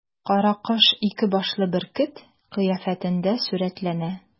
Каракош ике башлы бөркет кыяфәтендә сурәтләнә.